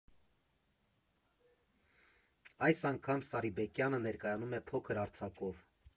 Այս անգամ Սարիբեկյանը ներկայանում է փոքր արձակով.